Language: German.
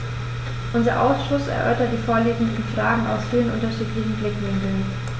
Unser Ausschuss erörtert die vorliegenden Fragen aus vielen unterschiedlichen Blickwinkeln.